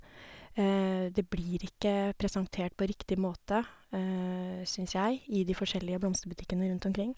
Det blir ikke presentert på riktig måte, syns jeg, i de forskjellige blomsterbutikkene rundt omkring.